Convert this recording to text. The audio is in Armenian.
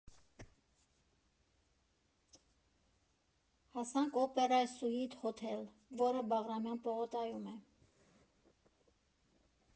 Հասանք «Օպերա Սուիթ Հոթել», որը Բաղրամյան պողոտայում է։